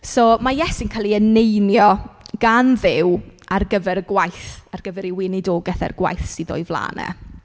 So ma' Iesu'n cael ei eneinio gan Dduw ar gyfer y gwaith, ar gyfer ei weinidogaeth e a'r gwaith sydd o'i flaen e.